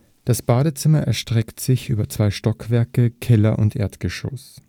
Badezimmer erstreckt sich über zwei Stockwerke, Keller und Erdgeschoss